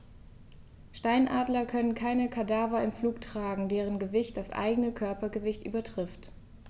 Steinadler können keine Kadaver im Flug tragen, deren Gewicht das eigene Körpergewicht übertrifft.